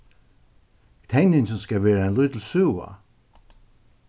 tekningin skal vera ein lítil søga